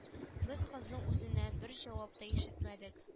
Без кызның үзеннән бер җавап та ишетмәдек